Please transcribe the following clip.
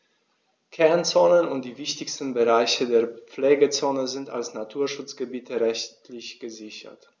Kernzonen und die wichtigsten Bereiche der Pflegezone sind als Naturschutzgebiete rechtlich gesichert.